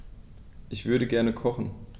Ich würde gerne kochen.